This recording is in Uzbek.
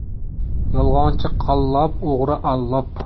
yolg'onchi qallop o'g'ri allop